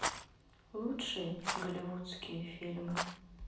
лучшие голливудские фильмы